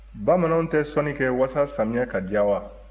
bamananw tɛ sɔnni kɛ walasa samiyɛ ka diya wa